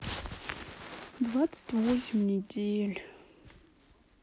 двадцать восемь недель